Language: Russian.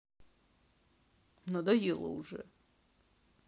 надоело уже